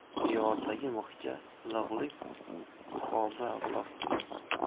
devordagi mixga ilig'lik duxoba